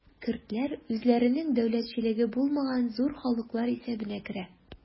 Көрдләр үзләренең дәүләтчелеге булмаган зур халыклар исәбенә керә.